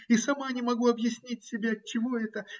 И сама не могу объяснить себе, отчего это.